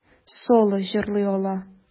Соло җырлый ала.